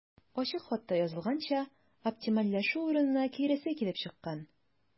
Ачык хатта язылганча, оптимальләшү урынына киресе килеп чыккан.